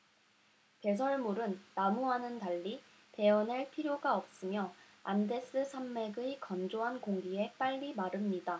배설물은 나무와는 달리 베어 낼 필요가 없으며 안데스 산맥의 건조한 공기에 빨리 마릅니다